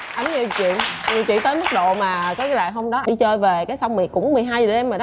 ảnh nhiều chuyện nhiều chuyện tới mức độ mà có nghĩa là hôm đó đi chơi về cái tới xong là cũng mười hai rồi